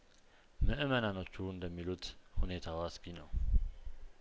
ምእመናኖቹ እንደሚሉት ሁኔታው አስጊ ነው